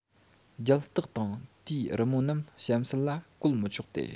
རྒྱལ རྟགས དང དེའི རི མོ རྣམས གཤམ གསལ ལ བཀོལ མི ཆོག སྟེ